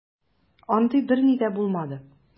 Андый берни дә булмады.